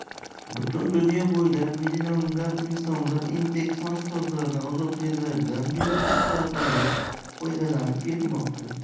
butun dunyo bo'ylab millionlab insonlar intex mahsulotlaridan uzoq yillardan buyon zavqlanib foydalanib kelmoqda